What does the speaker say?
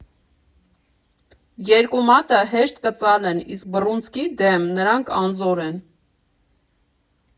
Երկու մատը հեշտ կծալեն, իսկ բռունցքի դեմ նրանք անզոր են։